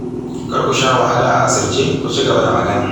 Kar ku sha wahala a asirce - ku ci gaba da magana